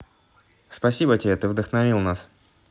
спасибо тебе ты вдохновил нас